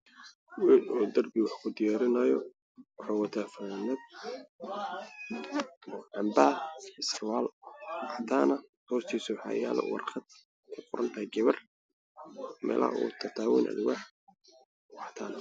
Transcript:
Wiil oo wax mu diyarinaya wuxuu wataa funanad oo cambaa iyo surwal cadana hortisa waxaa warqad iyo geber melaha uu tatabanayo waxaa talo alwax